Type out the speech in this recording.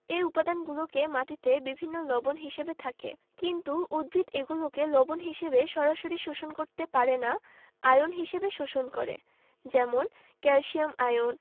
এ উপাদানগুলো মাটিতে বিভিন্ন লবণ হিসেবে থাকে কিন্তু উদ্ভিদ এগুলোকে লবণ হিসেবে সরাসরি শোষণ করতে পারে না আয়ন হিসেবে শোষণ করে যেমন ক্যালসিয়াম আয়ন